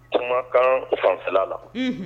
Kuma kan fanfɛla la